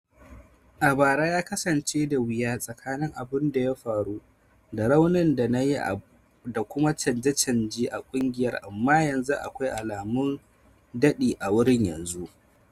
A bara ya kasance da wuya, tsakanin abin da ya faru da raunin da na yi da kuma canje-canje a kungiyar amma yanzu akwai alamun dadi a wurin yanzu.